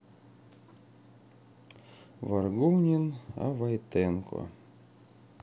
варгунин о войтенко